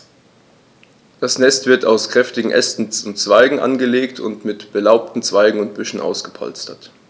Das Nest wird aus kräftigen Ästen und Zweigen angelegt und mit belaubten Zweigen und Büscheln ausgepolstert.